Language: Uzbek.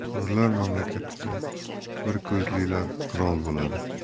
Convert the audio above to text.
ko'rlar mamlakatida bir ko'zlilar qirol bo'ladi